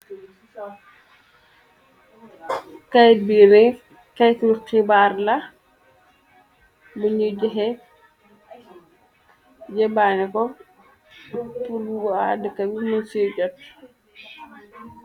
Kayit bi keyetti xibaar la buñuy joxe yëbaané ko pur y dëkkabi mën siy jot.